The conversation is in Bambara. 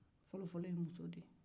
a fɔlɔfɔlɔ ye musow de ye